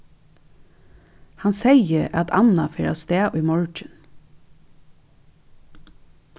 hann segði at anna fer avstað í morgin